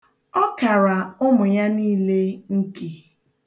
Ọ kara ụmụ ya niile nki.